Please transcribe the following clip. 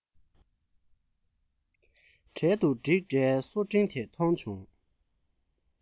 གྲལ དུ བསྒྲིགས འདྲའི སོ ཕྲེང དེ མཐོང བྱུང